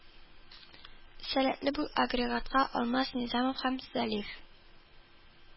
Сәләтле бу агрегатка алмаз низамов һәм зәлиф